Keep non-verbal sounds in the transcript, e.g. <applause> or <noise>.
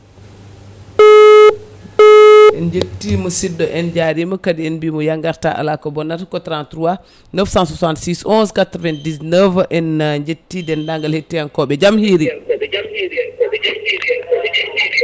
<noise> en jetti musidɗo en jarimo kadi en mbimo ya garta ala ko bonnata ko 33 966 11 99 <noise> en jetti dendagal yetti yankoɓe jaam hiiri